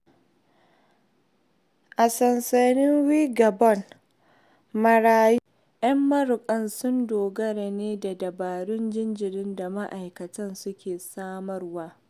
A Sansanin Wingabaw, marayun 'yan maruƙan sun dogara ne da dabarun jinjiri da ma'aikatan suke samarwa.